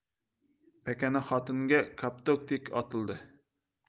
pakana xotinga koptokdek otildi